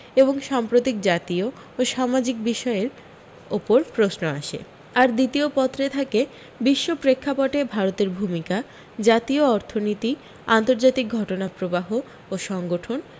এবং সাম্প্রতিক জাতীয় ও সামাজিক বিষয়ের ওপর প্রশ্ন আসে আর দ্বিতীয় পত্রে থাকে বিশ্ব প্রেক্ষাপটে ভারতের ভূমিকা জাতীয় অর্থনীতি আন্তর্জাতিক ঘটনাপ্রবাহ ও সংগঠন